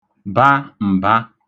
ḃa m̀ba